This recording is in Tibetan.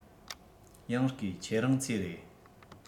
ཡང བརྐུས ཁྱེད རང ཚོའི རེད